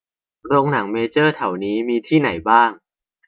โรงหนังเมเจอร์แถวนี้มีที่ไหนบ้าง